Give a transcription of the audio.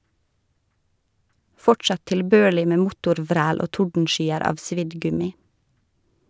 Fortsatt tilbørlig med motorvræl og tordenskyer av svidd gummi.